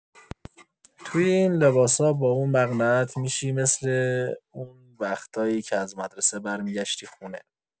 توی این لباسا با اون مقعنه‌ات می‌شی مثل اون وقتایی که از مدرسه برمی‌گشتی خونه.